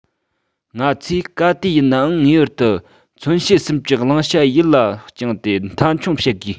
ང ཚོས ག དུས ཡིན ནའང ངེས པར དུ མཚོན བྱེད གསུམ གྱི བླང བྱ ཡིད ལ བཅངས ཏེ མཐའ འཁྱོངས བྱེད དགོས